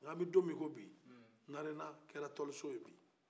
n'ka an bɛ don min i ko bi narena kɛra toliso ye bi